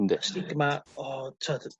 Yndi... stigma o t'od